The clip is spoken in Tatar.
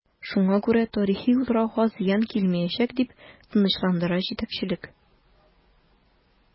Шуңа күрә тарихи утрауга зыян килмиячәк, дип тынычландыра җитәкчелек.